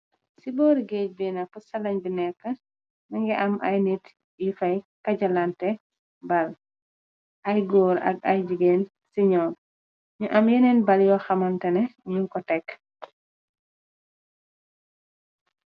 Ci boori géej bina fu salañ bi nekk, mingi am ay nit yu fay kajalante bal, ay góor ak ay jigeen ci ñoom, ñu am yeneen bal yoo xamantene ñu ko tekk.